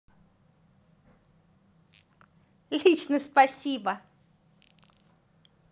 лично спасибо